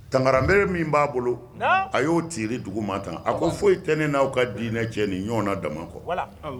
Tangaranmeri min b'a bolo a y'o tile duguman tan a ko foyi tɛ ne n'aw ka diinɛ cɛ nin ɲɔgɔnna dama kɔ